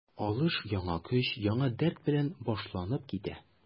Алыш яңа көч, яңа дәрт белән башланып китә.